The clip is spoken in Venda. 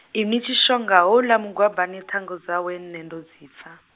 inwi Tshishonga houḽa Mugwabana ṱhangu dzawe nṋe ndo dzi pfa.